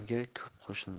o'yinga ko'p qo'shilmasdi